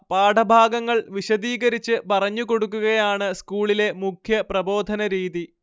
പാഠഭാഗങ്ങൾ വിശദീകരിച്ച് പറഞ്ഞുകൊടുക്കുകയാണ് സ്കൂളിലെ മുഖ്യപ്രബോധനരീതി